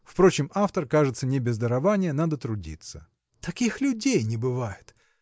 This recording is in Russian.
Впрочем, автор, кажется, не без дарования, надо трудиться!. Таких людей не бывает!